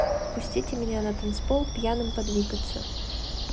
пустите меня на танцпол пьяным подвигаться